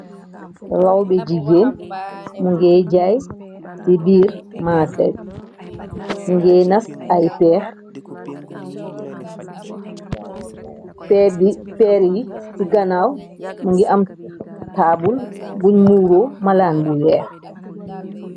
Law bi jigeen mu ngiy jay ci biir maase yu ngiy nas ay peer yi ci ganaaw mu ngi am taabul guñ muuro malaan bu weex.